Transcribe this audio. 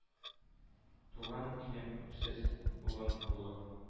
Туган илем, үксез улың булып,